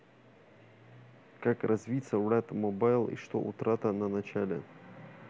как развиться wrath мобайл и что утрата на начале